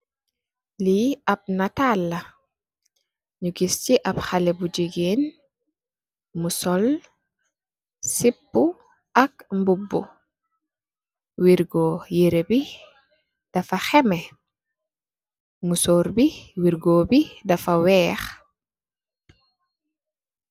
Li ap nital la, ñi gis ci ap xalèh bu gigeen mu sol sipu ak mbubu. Wirgo yirèh bi dafa xemeh, musór bi wirgo bi dafa wèèx.